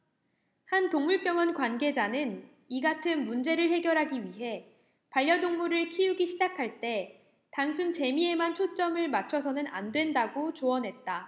한 동물병원 관계자는 이같은 문제를 해결하기 위해 반려동물을 키우기 시작할 때 단순 재미에만 초점을 맞춰서는 안된다고 조언했다